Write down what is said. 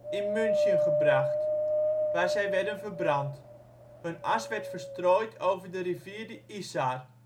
in München gebracht, waar zij werden verbrand. Hun as werd verstrooid over de rivier de Isar